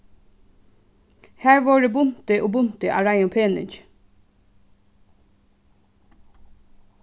har vóru bunti og bunti av reiðum peningi